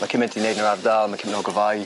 Ma' cyment i neud yn yr ardal ma' cymaint ogofáu.